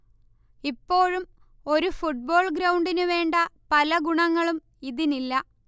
ഇപ്പോഴും ഒരു ഫുട്ബോൾ ഗ്രൗണ്ടിനുവേണ്ട പല ഗുണങ്ങളും ഇതിനില്ല